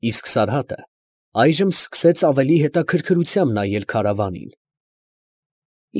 Իսկ Սարհատը այժմ սկսեց ավելի հետաքրքրությամբ նայել քարավանին։